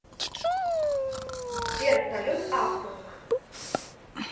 сбер салют ахтунг